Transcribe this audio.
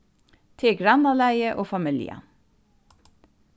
tað er grannalagið og familjan